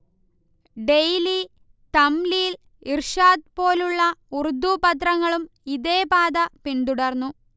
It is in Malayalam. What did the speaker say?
ഡെയിലി, തംലീൽ, ഇർഷാദ് പോലുള്ള ഉർദു പത്രങ്ങളും ഇതേപാത പിന്തുടർന്നു